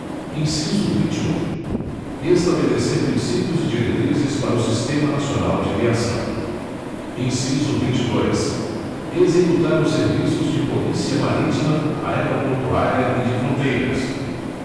inciso vinte e um estabelecer princípios e diretrizes para o sistema nacional de viação inciso vinte e dois executar os serviços de polícia marítima aeroportuária e de fronteiras